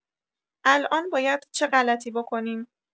الان باید چه غلطی بکنیم